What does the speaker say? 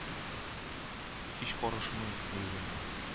Һич карышмый уйлыйм мин